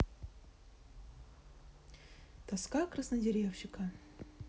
тоска краснодеревщика